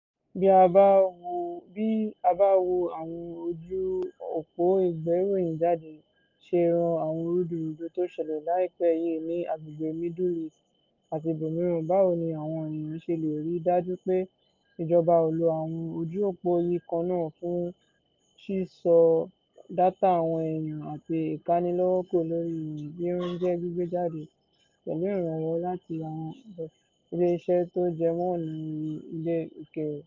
Bí a bá wo bí àwọn ojú òpó ìgberòyìn jáde ṣe rán àwọn rúdurùdu tó ṣẹlẹ̀ laipe yii ní agbègbè Middle East àti ibòmíràn, báwo ni àwọn èèyàn ṣe lè rí dájú pé ìjọba ò lo àwọn ojú òpó yìí kan náà fún ṣíṣọ́ dátà àwọn èèyàn àti ìkánilọ́wọ́kò lórí ìròyìn tí ó ń jẹ́ gbígbé jáde (pẹ̀lú ìrànwọ́ láti àwọn Ileeṣẹ́ tó jẹmọ ọ̀nà ẹ̀rọ ní ilẹ̀ òkèèrè)?